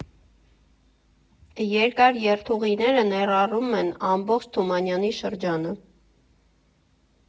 Երկար երթուղիները ներառում են ամբողջ Թումանյանի շրջանը։